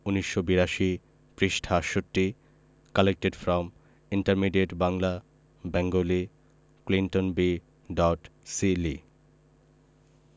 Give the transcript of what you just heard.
১৯৮২ পৃষ্ঠা ৬৮ collected from intermediate Bangla Bengali Clinton B dot Seely